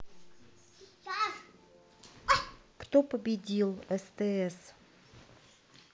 кто победил стс